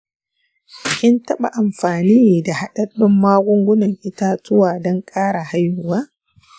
kin taɓa amfani da haɗaɗɗun magungunan itatuwa don ƙara haihuwa?